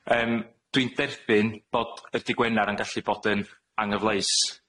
Yym, dwi'n derbyn bod y dy' Gwenar yn gallu bod yn anghyfleus